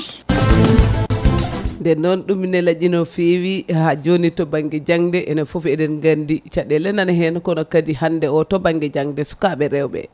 nden noon ɗum ne laaƴi no fewi ha joni to banggue jangde enen foof eɗen gandi caɗele nana hen kono kadi hande o to banggue jangde sukaɓe rewɓe